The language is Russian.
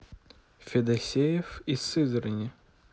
федосеев из сызрани